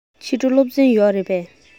ཕྱི དྲོ སློབ ཚན ཡོད རེད པས